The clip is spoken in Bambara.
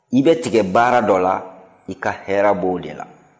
i bɛ tigɛ baara dɔ la i ka hɛra bɔ o de la